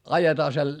ajetaan -